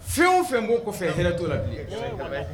Fɛnw fɛn' kɔfɛ hɛrɛ' la